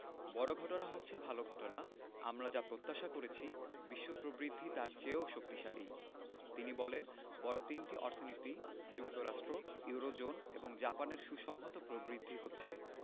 বড় ঘটনা হচ্ছে ভালো ঘটনা আমরা যা প্রত্যাশা করেছি বিশ্ব প্রবৃদ্ধি তার চেয়েও শক্তিশালী তিনি বলেন বড় তিনটি অর্থনীতি যুক্তরাষ্ট্র ইউরোজোন এবং জাপানের সুসংহত প্রবৃদ্ধি হচ্ছে